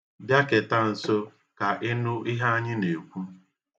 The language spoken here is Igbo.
Bịaketa nso ka ị nụ ihe anyị na-ekwu.